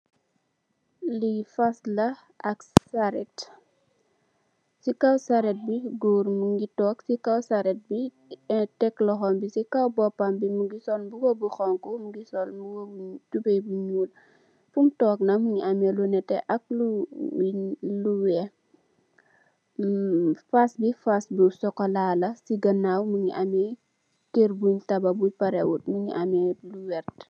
Li fas la ak saret, ci kaw saret bi gór mugii tóóg tek loxom bi ci kaw bópambi mugii sol mbuba bu xonxu mugii sol tubay bu ñuul, fum tóóg nak mugii ameh lu netteh ak lu wèèx. Fas bi fas bu sokola la ci ganaw mugii ameh kèr buñ tabax bu paré wut mugii ameh lu werta.